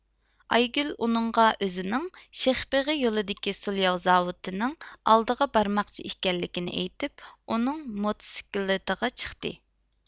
ئايگۈل ئۇنىڭغا ئۆزىنىڭ شېخبېغى يولىدىكى سۇلياۋ زاۋۇتىنىڭ ئالدىغا بارماقچى ئىكەنلىكىنى ئېيتىپ ئۇنىڭ موتسىكلىتىغا چىقتى